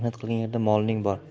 bor mehnat qilgan yerda moling bor